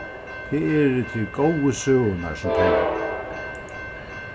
tað eru tær góðu søgurnar sum telja